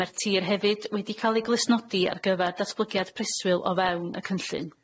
ma'r tir hefyd wedi ca'l ei glustnodi ar gyfar datblygiad preswyl o fewn y cynllun.